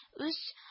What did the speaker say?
Үз